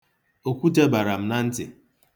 Okwute bara m na ntị.